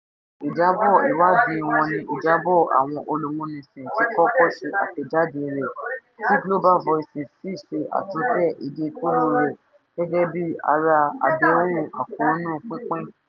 Ìjábọ̀ ìwádìí wọn ni Ìjábọ̀ Àwọn Olúmúnisìn ti kọ́kọ́ ṣe àtẹ̀jáde rẹ̀, tí Global Voices sì ṣe àtúntẹ̀ ìgékúrú rẹ̀ gẹ́gẹ́ bíi ara àdéhùn àkóónú pínpín.